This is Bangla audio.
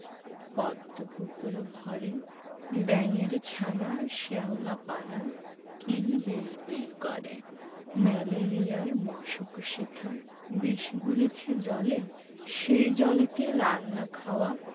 পদ্ম পুকুর ভরে ব্যাঙের ছানা শ্যাওলা পানা কিল বিল বিল করে ম্যালেরিয়ার মশক সেথা বিষ গুলিছে জলে সেই জলেতে রান্না খাওয়া